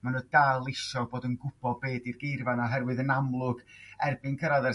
ma' n'w dal isio bod yn gwbo' be 'di'r geirfa 'na oherwydd yn amlwg erbyn cyrraedd yr